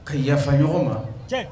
Ka yafa ɲɔgɔn ma